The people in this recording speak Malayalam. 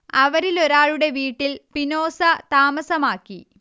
അവരിലൊരാളുടെ വീട്ടിൽ സ്പിനോസ താമസമാക്കി